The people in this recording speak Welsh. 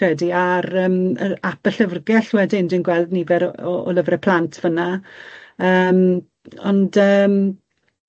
credu ar yym yr ap y llyfrgell wedyn dwi'n gweld nifer o o lyfre plant fan 'na yym ond yym.